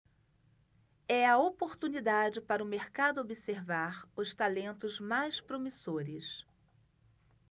é a oportunidade para o mercado observar os talentos mais promissores